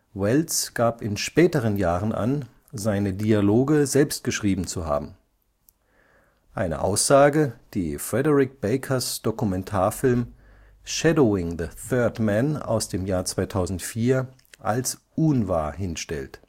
Welles gab in späteren Jahren an, seine Dialoge selbst geschrieben zu haben, eine Aussage, die Frederick Bakers Dokumentarfilm Shadowing the Third Man (2004) als unwahr hinstellt